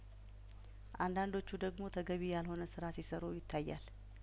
አንዳንዶቹ ደግሞ ተገቢ ያልሆነ ስራ ሲሰሩ ይታያል